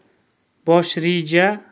bosh reja